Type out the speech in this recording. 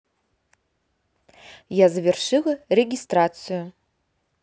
я завершила регистрацию